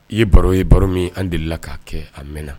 I ye baro ye, baro min an delila k'a kɛ a mɛnna.